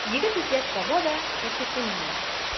Егет эзләп таба да патефонны ала.